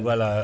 voilà